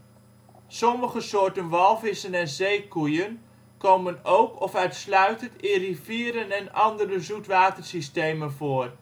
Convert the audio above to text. sommige soorten walvissen en zeekoeien komen ook of uitsluitend in rivieren en andere zoetwatersystemen voor